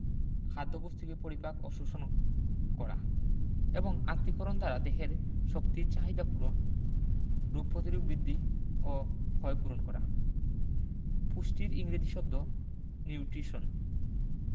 খাদ্যবস্তুকে পরিপাক ও শোষণ করা এবং আত্তীকরণ দ্বারা দেহের শক্তির চাহিদা পূরণ রোগ পতিরোধ বিদ্ধি ও ক্ষয়পূরণ করা পুষ্টির ইংরেজি শব্দ নিউটিশন